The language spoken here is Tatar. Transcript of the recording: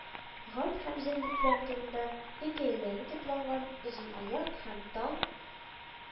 Гать һәм җәнлекләр турындагы хикәяләре тупланган «озын аяк» һәм «таң